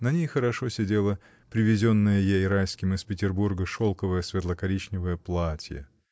на ней хорошо сидело привезенное ей Райским из Петербурга шелковое светло-коричневое платье.